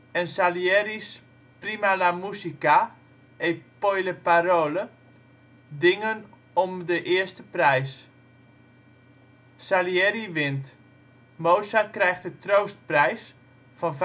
en Salieri 's ' Prima la musica, e poi le parole ' dingen er om de eerste prijs. Salieri wint, Mozart krijgt de troostprijs van